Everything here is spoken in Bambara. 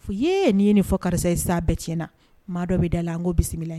F ye n' ye nin fɔ karisa ye san bɛɛ tiɲɛna maa dɔ bɛ da la n koo bisimila ye